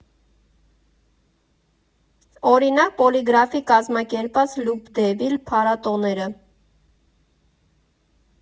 Օրինակ, Պոլիգրաֆի կազմակերպած Լուփդեվիլ փառատոները։